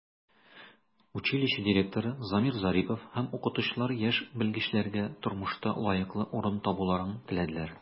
Училище директоры Замир Зарипов һәм укытучылар яшь белгечләргә тормышта лаеклы урын табуларын теләделәр.